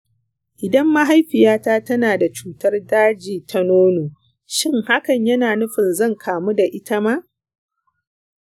idan mahaifiyata tana da cutar daji ta nono, shin hakan yana nufin zan kamu da ita ma?